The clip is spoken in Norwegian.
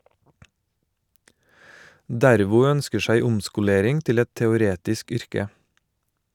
Dervo ønsker seg omskolering til et teoretisk yrke.